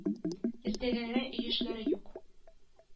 Иртәгәгә өй эшләре юк